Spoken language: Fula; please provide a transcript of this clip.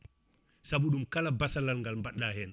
saabu ɗum kala ngal badɗa hen